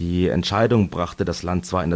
Die Entscheidung brachte das Land zwar in